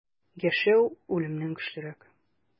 Яшәү үлемнән көчлерәк.